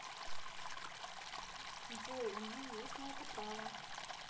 джой у меня есть на это право